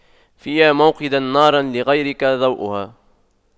فيا موقدا نارا لغيرك ضوؤها